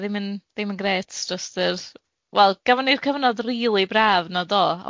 ddim yn ddim yn grêt, drost yr wel gafon ni'r cyfnod rili braf na do?